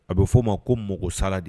A bɛ f'o ma ko mɔgɔ sala de